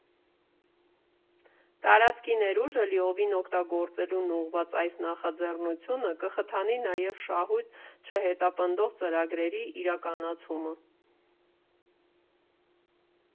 Տարածքի ներուժը լիովին օգտագործելուն ուղղված այս նախաձեռնությունը կխթանի նաև շահույթ չհետապնդող ծրագրերի իրականացումը։